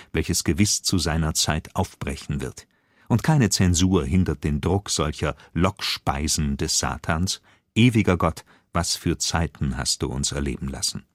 welches gewis zu seiner Zeit aufbrechen wird. Und keine Censur hindert den Druck solcher Lockspeisen des Satans? […] Ewiger Gott! Was für Zeiten hast du uns erleben lassen